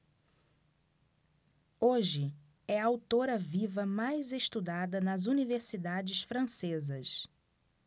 hoje é a autora viva mais estudada nas universidades francesas